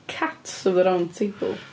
Cats of the Round Table?